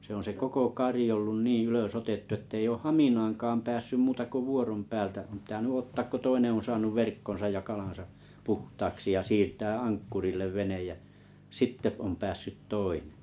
se on se koko kari ollut niin ylösotettu että ei ole haminaankaan päässyt muuta kuin vuoron päältä on pitänyt ottaa kun toinen on saanut verkkonsa ja kalansa puhtaaksi ja siirtää ankkurille vene ja sitten on päässyt toinen